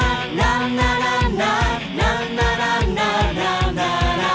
la la la la la